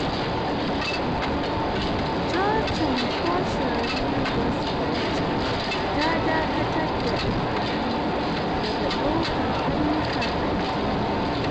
Cocin Foursƙuare Gospel Church ta dakatar da Igbeneghu "daga dukkan aiyukan addini".